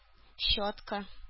Щетка